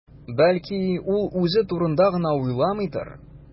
Бәлки, ул үзе турында гына уйламыйдыр?